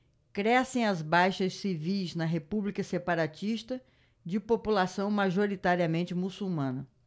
crescem as baixas civis na república separatista de população majoritariamente muçulmana